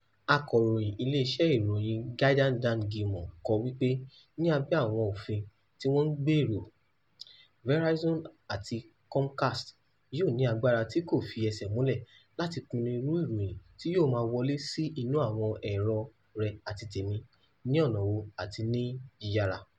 Akọ̀ròyìn ilé iṣẹ́ ìròyìn Guardian Dan Gillmor kọ wí pé ní abẹ́ àwọn òfin tí wọ́n ń gbèrò, "Verizon àti Comcast yóò ní agbára tí kò fi ẹsẹ̀ múlẹ̀ láti pinnu irú ìròyìn tí yóò máa wọlé sí inú àwọn ẹ̀rọ rẹ àti tèmi, ní ọ̀nà wo àti ní yíyára."